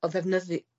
o ddefnyddi-